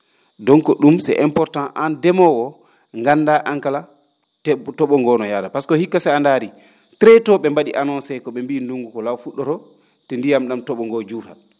donc ?um c' est important aan ndemoowo oo ngannda aan kala te to?o ngoo no yaarara pasque hikka so a ndaari trés tot ?e mba?i anonncé ko?e mbi nduggu ko law fu?oroo te ndiyam ?am to?o ngoo juurat